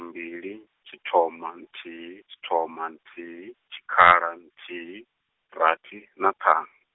mbili, tshithoma nthihi tshithoma nthihi tshikhala nthihi, rathi na ṱhanu.